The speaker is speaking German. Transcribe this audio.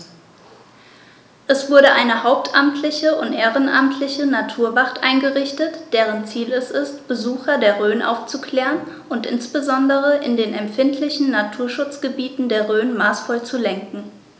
Es wurde eine hauptamtliche und ehrenamtliche Naturwacht eingerichtet, deren Ziel es ist, Besucher der Rhön aufzuklären und insbesondere in den empfindlichen Naturschutzgebieten der Rhön maßvoll zu lenken.